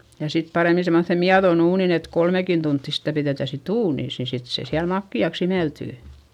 ja sitten paremmin semmoiseen mietoon uuniin että kolmekin tuntia sitä pidetään sitten uunissa niin sitten se siellä makeaksi imeltyy